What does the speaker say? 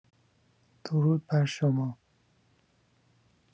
درود برشما